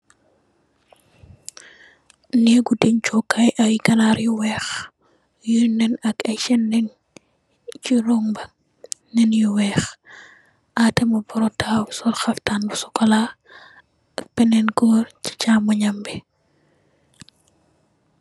Ñeekgu dèn jo kay ay ganaar, yu weeh. yi nènn ak senn nènn chu romba nènn yu weeh. Adama Barrow tahaw sol haftaan bu sokola ak benen gòor ci chàmoñ nyam bi.